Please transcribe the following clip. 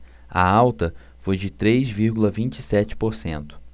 a alta foi de três vírgula vinte e sete por cento